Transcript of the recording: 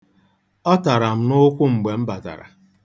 Ọ tara m n'ụkwụ mgbe ọ batara.